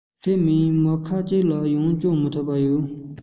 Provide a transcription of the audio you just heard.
དེ མིན མི ཁག གཅིག ལ ཡང སྐོང མི ཉུང བ ཐོབ ཡོད